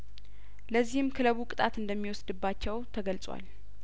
ለዚህም ክለቡ ቅጣት እንደሚወስድባቸው ተገልጿል